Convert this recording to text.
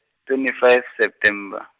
twenty five September.